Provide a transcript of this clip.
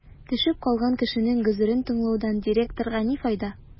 Төшеп калган кешенең гозерен тыңлаудан директорга ни файда?